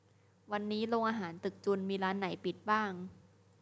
วันนี้โรงอาหารตึกจุลมีร้านไหนปิดบ้าง